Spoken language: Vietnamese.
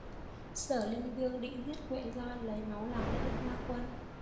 sở linh vương định giết quệ do lấy máu làm lễ ra quân